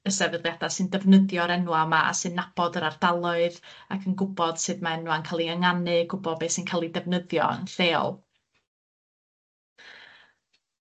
y sefydliada' sy'n defnyddio'r enwa' 'ma a sy'n nabod yr ardaloedd ac yn gwbod sut ma' enwa'n ca'l 'u ynganu, gwbod be' sy'n ca'l 'i defnyddio yn lleol.